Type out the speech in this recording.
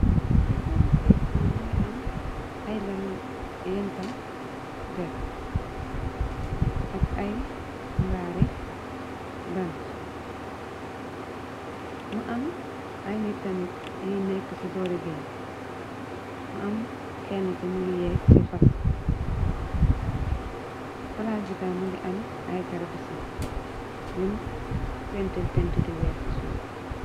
Ci pegigey bi mongi am ay laal yung fa def ak ay mbaare banta mu am ay nitt tamit yi neka ci bori geeg mu am kena ki mongi yégg ci fas palaas bi tam mongi am ay garab seebi yun painturr painturr yu weer ci suuf.